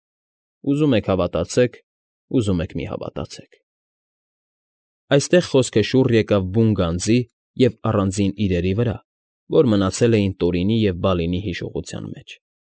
Ուզում եք հավատացեք, ուզում եք մի՛ հավատացեք… Այստեղ խոսքը շուռ եկավ բուն գանձի և առանձին իրերի վրա, որ մնացել էին Տորինի և Բալինի հիշողության մեջ։